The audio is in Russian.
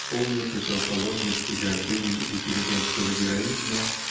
в полной противоположности гордыне интеллигентского героизма